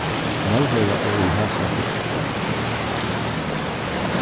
vælvera er í hásæti hjá okkum